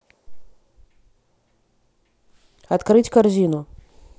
открыть корзину